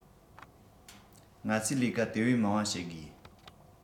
ང ཚོས ལས ཀ དེ བས མང བ བྱེད དགོས